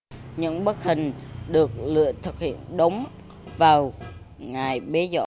những bức hình được thực hiện đúng vào ngày bế giảng